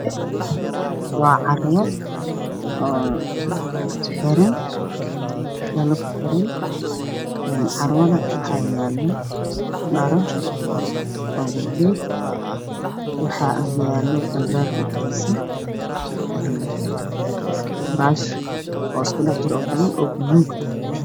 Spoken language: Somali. Waa carwo oo dhalo kuxiran waxaa yaalo dhar dumar ah badan waxaa agyaalo kuraas isku dhex jiro oo badan oo buluug ah.